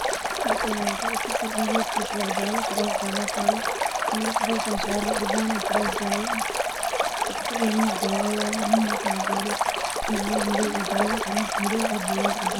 Waa arda fadhido fasalka waxey wataan shaati iyo surwal cadaan ah